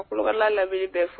Ka Kolokani n'a lamini bɛ f